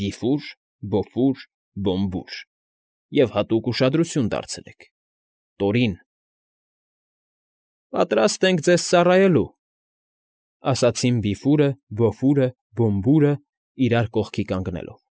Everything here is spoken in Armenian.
Բիֆուր, Բոֆուր, Բոմբուր և, հատուկ ուշադրություն դարձրեք, Տորին։ ֊ Պատրաստ ենք ձեզ ծառայելու, ֊ ասացին Բիֆուրը, Բոֆուրը, Բոմբուրը՝ իրար կողքի կանգնելով։